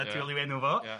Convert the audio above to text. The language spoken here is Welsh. yna diolch i enw fo... Ia.